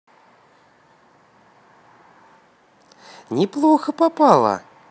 неплохо попала